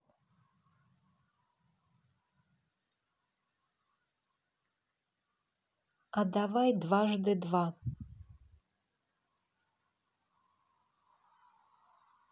а давай дважды два